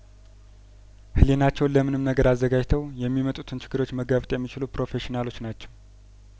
ህሊናቸውን ለምንም ነገር አዘጋጅተው የሚመጡትን ችግሮች መጋፈጥ የሚችሉ ፕሮፌሽናሎች ናቸው